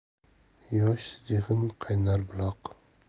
yosh zehn qaynar buloq